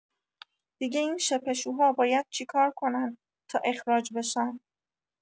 دیگه این شپشوها باید چیکار کنن تا اخراج بشن؟